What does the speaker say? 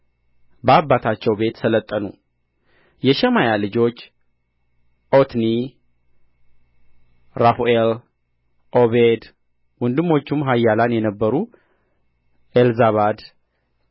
በአባታቸው ቤት ሠለጠኑ ለሸማያ ልጆች ዖትኒ ራፋኤል ዖቤድ ወንድሞቹም ኃያላን የነበሩ ኤልዛባድ